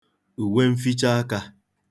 ùwenfichaakā